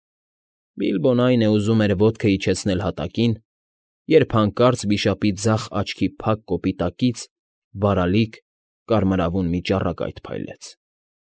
Բիլբոն, այն է, ուզում էր ոտքը իջեցնել հատակին, երբ հանկարծ վիշապի ձախ աչքի տակ կոպի տակից բարալիկ, կարմրավուն մի ճառագայթ փայլեց։